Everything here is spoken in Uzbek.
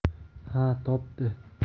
ha topdi